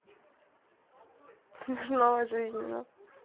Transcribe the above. смешно жизненно